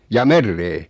jaa mereen